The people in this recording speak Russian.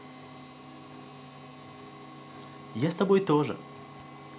я с тобой тоже